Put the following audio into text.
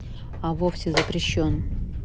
а вовсе запрещен